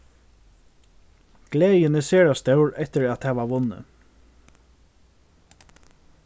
gleðin er sera stór eftir at hava vunnið